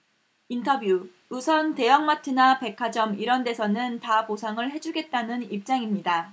인터뷰 우선 대형마트나 백화점 이런 데서는 다 보상을 해 주겠다는 입장입니다